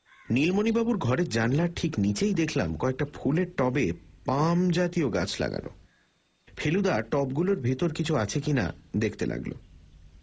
নীলমণিবাবুর ঘরের জানলার ঠিক নীচেই দেখলাম কয়েকটা ফুলের টবে পামজাতীয় গাছ লাগানো ফেলুদা টবগুলোর ভিতর কিছু আছে কি না দেখতে লাগল